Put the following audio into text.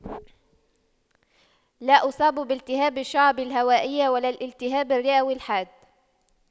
لا اصاب بالتهاب الشعب الهوائية ولا الالتهاب الرئوي الحاد